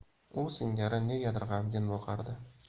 u singari negadir g'amgin boqardi